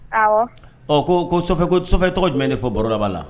Ɔ ɔ tɔgɔ jumɛn de fɔ barodaba la